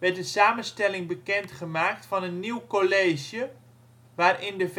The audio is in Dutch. de samenstelling bekendgemaakt van een nieuw college waarin de